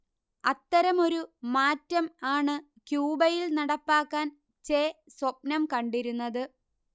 അത്തരമൊരു മാറ്റമാണ് ക്യൂബയിൽ നടപ്പാക്കാൻ ചെ സ്വപ്നം കണ്ടിരുന്നത്